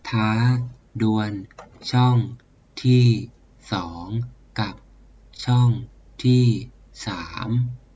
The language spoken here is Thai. ท้าดวลช่องที่สองกับช่องที่สาม